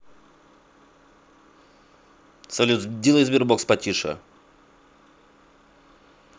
салют сделай sberbox потише